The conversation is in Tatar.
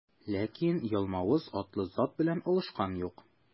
Ләкин Ялмавыз атлы зат белән алышкан юк.